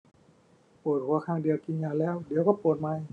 ปวดหัวข้างเดียวกินยาแล้วเดี๋ยวก็ปวดใหม่